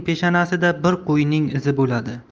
peshanasida bir qo'yning izi bo'ladi